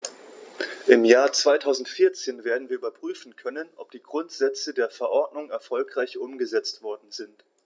Im Jahr 2014 werden wir überprüfen können, ob die Grundsätze der Verordnung erfolgreich umgesetzt worden sind.